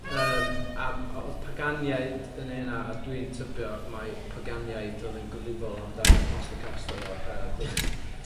yym am- a o'dd paganiaid yn neu' 'na a dwi'n tybio mai paganiaid o'dd yn gyfrifol amdan y plaster cast o yy clust.